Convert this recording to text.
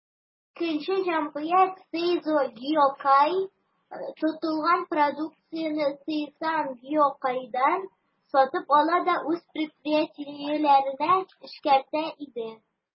Икенче җәмгыять, «Сейзо Гиокай», тотылган продукцияне «Сейсан Гиокайдан» сатып ала да үз предприятиеләрендә эшкәртә иде.